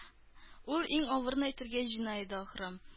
Ул иң авырын әйтергә җыена иде, ахры